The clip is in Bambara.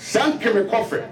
San kɛmɛ kɔfɛ